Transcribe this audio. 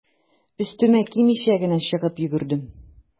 Өстемә кимичә генә чыгып йөгердем.